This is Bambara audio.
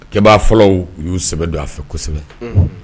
Ke' fɔlɔ u y' sɛbɛ don a fɛ kosɛbɛ